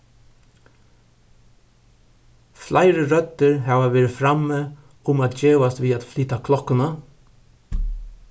fleiri røddir hava verið frammi um at gevast við at flyta klokkuna